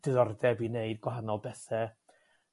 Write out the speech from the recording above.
diddordeb i wneud gwahanol bethe